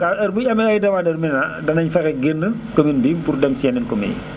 daal heure bu ñu amee ay demandeurs danañ fexe génn commune bi pour demsi yeneen communes yi